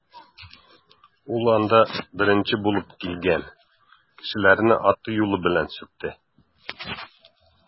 Ул анда беренче булып килгән кешеләрне аты-юлы белән сүкте.